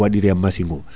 waɗire machine o